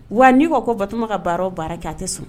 Wa n'i'a ko batotumama ka baaraw baara kɛ a tɛ sun